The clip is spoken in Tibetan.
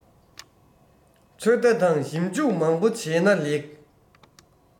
ཚོད ལྟ དང ཞིམ འཇུག མང པོ བྱས ན ལེགས